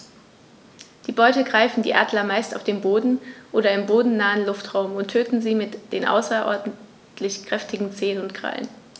Die Beute greifen die Adler meist auf dem Boden oder im bodennahen Luftraum und töten sie mit den außerordentlich kräftigen Zehen und Krallen.